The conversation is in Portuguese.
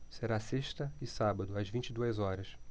será sexta e sábado às vinte e duas horas